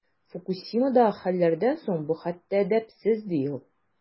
Фукусимадагы хәлләрдән соң бу хәтта әдәпсез, ди ул.